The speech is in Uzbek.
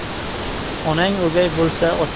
onang o'gay bo'lsa